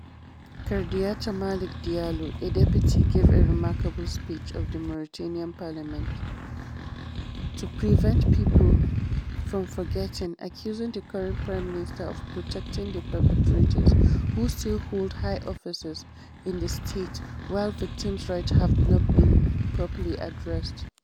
Kardiata Malick Diallo, a deputy, gave a remarkable speech at the Mauritanian parliament to prevent people from forgetting, accusing the current prime minister of protecting the perpetrators, who still hold high offices in the state while victims rights’ have not been properly addressed: